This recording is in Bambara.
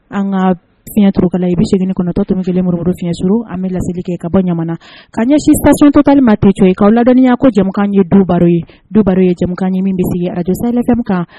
An ka fiɲɛɲɛtkala i bɛ segin kɔnɔtɔ tɛmɛn kelen moriro fiɲɛɲɛ suru an bɛ laeli kɛ ka bɔ ɲa ka ɲɛsin tactɔ tali ma to cogo ye k'aw ladninya ko jamukan ye du baro ye du baro ye jamakan ɲɛ min bɛ sigi a dɛsɛɛlɛkɛmi kan